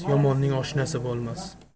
yomonning oshnasi bo'lmas